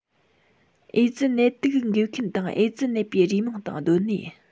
ཨེ ཙི ནད དུག འགོས མཁན དང ཨེ ཙི ནད པའི རུས མིང དང སྡོད གནས